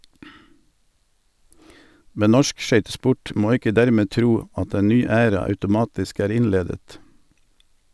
Men norsk skøytesport må ikke dermed tro at en ny æra automatisk er innledet.